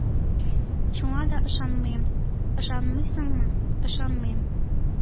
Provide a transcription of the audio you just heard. Шуңа да ышанмыйм... Ышанмыйсыңмы? Ышанмыйм...